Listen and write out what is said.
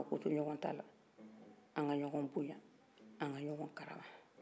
ka to ɲɔgɔn tala an ka ɲɔgɔn boyan an ka ɲɔgɔn karama